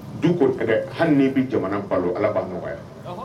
Du ko tɛ dɛ hali bɛ jamana balo Ala b'a nɔgɔya.